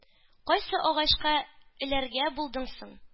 - кайсы агачка эләргә булдың соң?